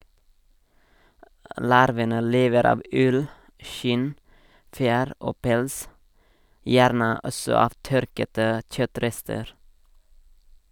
Larvene lever av ull , skinn , fjær og pels, gjerne også av tørkete kjøttrester.